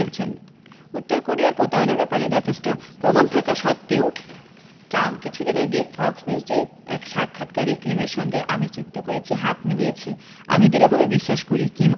উত্তর কোরিয়ার প্রতারণার ব্যাপারে যথেষ্ট প্রমাণ থাকা সত্ত্বেও ট্রাম্প কিছুদিন আগে ফক্স নিউজে এক সাক্ষাৎকারে বলেন কিমের সঙ্গে আমি চুক্তি করেছি হাত মিলিয়েছি আমি দৃঢ়ভাবে বিশ্বাস করি কিম